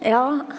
ja.